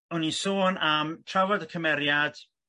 Oni'n sôn am trafod y cymeriad